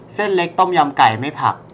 เส้นเล็กต้มยำไก่ไม่ผัก